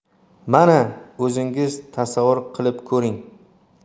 mana o'zingiz tasavvur qilib ko'ring